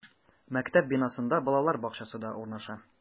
Мәктәп бинасында балалар бакчасы да урнаша.